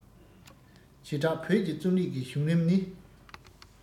བྱེ བྲག བོད ཀྱི རྩོམ རིག གི བྱུང རིམ ནི